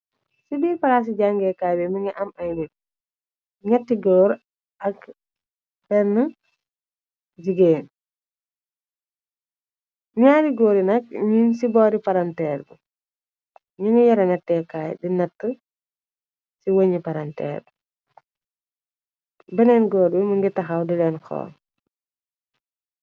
Ci biir palaa ci jangeekaaay bi mingi am ay b 3atti góor ak ben jigéen ñaari góor i nak ñin ci boori paranteer bi ñu ngi yara ñattekaay di nett ci wëñ paranteer bi beneen góor bi mingi taxaw di leen xool.